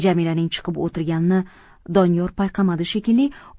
jamilaning chiqib o'tirganini doniyor payqamadi shekilli